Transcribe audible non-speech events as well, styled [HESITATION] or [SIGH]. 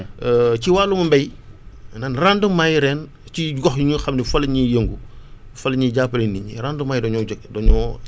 [HESITATION] ci wàllum mbéy maanaam rendement yi ren ci gox yoo xam ne fa la ñuy yëngu [BREATH] fa la ñuy jàppalee nit ñi rendement yi dañoo jóge dañoo